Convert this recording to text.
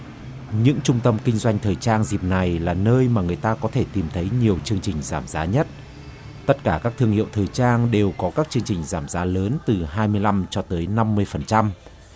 những trung tâm kinh doanh thời trang dịp này là nơi mà người ta có thể tìm thấy nhiều chương trình giảm giá nhất tất cả các thương hiệu thời trang đều có các chương trình giảm giá lớn từ hai mươi lăm cho tới năm mươi phần trăm